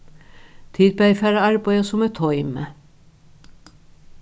tit bæði fara at arbeiða sum eitt toymi